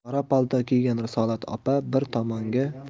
qora palto kiygan risolat opa bir tomonga